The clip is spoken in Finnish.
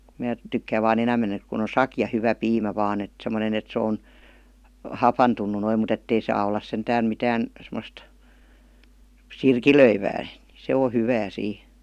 minä tykkään vain enemmän että kun on sakea hyvä piimä vain että semmoinen että se on hapantunut noin mutta että ei saa olla sentään mitään semmoista sirkilöivää niin se on hyvää siinä